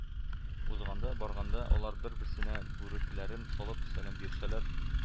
Узганда-барганда алар бер-берсенә бүрекләрен салып сәлам бирешәләр